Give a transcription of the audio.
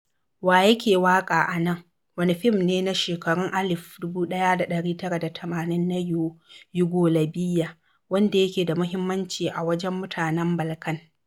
Wa yake Waƙa A nan? wani fim ne na shekarun 1980 na Yugolabiya wanda yake da muhimmanci a wajen mutanen Balkan.